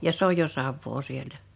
ja se on jo Savoa sieltä